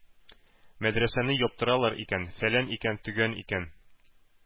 Мәдрәсәне яптыралар икән, фәлән икән, төгән икән!